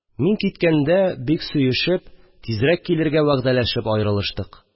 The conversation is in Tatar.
Мин киткәндә, бик сөешеп, тизрәк килергә вәгъдәләшеп аерылыштык